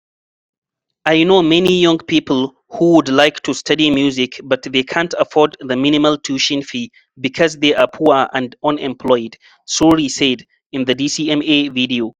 I know many young people who would like to study music but they can’t afford the minimal tuition fee because they are poor and unemployed, Surri said in the DCMA video.